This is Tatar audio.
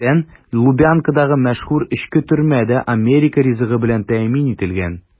Мәсәлән, Лубянкадагы мәшһүр эчке төрмә дә америка ризыгы белән тәэмин ителгән.